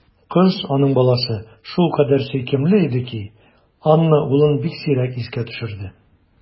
Кыз, аның баласы, шулкадәр сөйкемле иде ки, Анна улын бик сирәк искә төшерде.